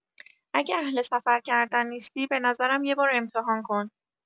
اگه اهل سفر کردن نیستی، به نظرم یه بار امتحان کن.